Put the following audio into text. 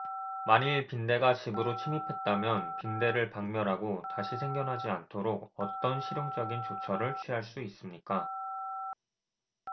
만일 빈대가 집으로 침입했다면 빈대를 박멸하고 다시 생겨나지 않도록 어떤 실용적인 조처를 취할 수 있습니까